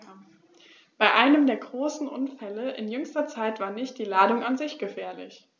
Bei einem der großen Unfälle in jüngster Zeit war nicht die Ladung an sich gefährlich.